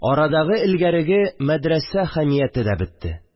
Арадагы элгәреге мәдрәсә хәмияте дә бетте